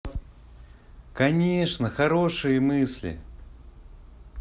конечно хорошие мысли